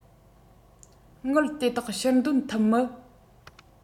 དངུལ དེ དག ཕྱིར འདོན ཐུབ མིན